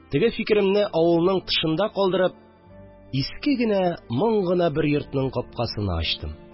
Теге фикеремне авылның тышында калдырып, иске генә, моң гына бер йортның капкасыны ачтым